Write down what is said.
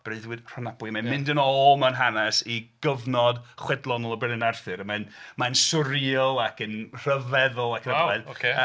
Breuddwyd Rhonabwy, mae'n mynd yn ôl mewn hanes i gyfnod chwedlonol y Brenin Arthur mae'n... mae'n swreal ac yn rhyfeddol ac yn... Waw oce.